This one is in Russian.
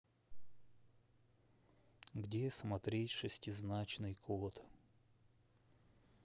где смотреть шестизначный код